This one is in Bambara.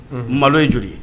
Unhun. Malo ye joli ye?